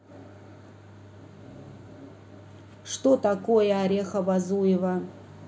что такое орехово зуево